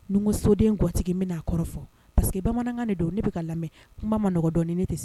N soden gatigi bɛna'a kɔrɔfɔ fɔ parce que bamanankan de don ne bɛ ka lamɛn kuma maɔgɔn dɔn ne tɛ se